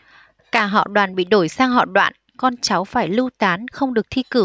cả họ đoàn bị đổi sang họ đoạn con cháu phải lưu tán không được thi cử